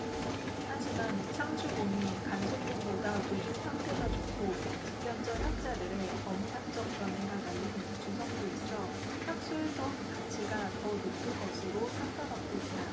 하지만 상주본이 간송본보다 보존 상태가 좋고 집현전 학자들의 어문학적 견해가 달린 주석도 있어 학술적 가치가 더 높을 것으로 평가받고 있다